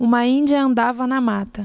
uma índia andava na mata